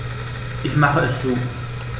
Ich mache es zu.